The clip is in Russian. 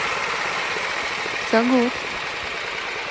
все гуд